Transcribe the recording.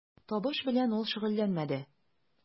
Табыш белән ул шөгыльләнмәде.